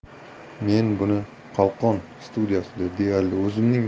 men buni 'qalqon' studiyasida deyarli o'zimning